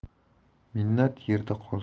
minnat yerda qolsa